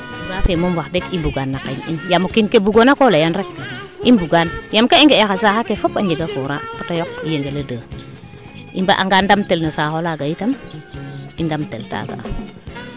courant fe moom i mbugaan na qeeñ in yaam o kiin ke bugoona ko leyan rek i mbugaan yaam ka i nga'e xa saxake fop a jega courant bata yoq Yengele2 i mbaang anga ndam tel no saaxo laaga yitam i ndam tel taaga